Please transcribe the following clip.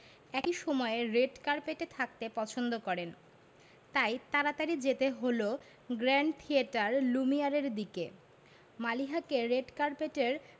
একই সময়ে রেড কার্পেটে থাকতে পছন্দ করেন তাই তাড়াতাড়ি যেতে হলো গ্র্যান্ড থিয়েটার লুমিয়ারের দিকে মালিহাকে রেড কার্পেটের